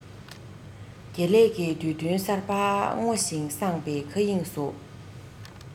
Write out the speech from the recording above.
དགེ ལེགས ཀྱི དུས སྟོན གསར པ སྔོ ཞིང བསངས པའི མཁའ དབྱིངས སུ